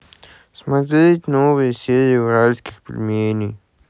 смотреть новые серии уральских пельменей